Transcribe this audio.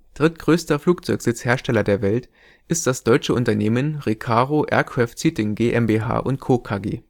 Drittgrößter Flugzeugsitzhersteller der Welt ist das deutsche Unternehmen Recaro Aircraft Seating GmbH & Co. KG